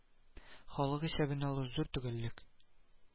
Халык исәбен алу зур төгәллек